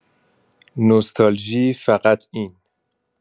نوستالژی فقط این